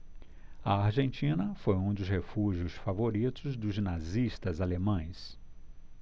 a argentina foi um dos refúgios favoritos dos nazistas alemães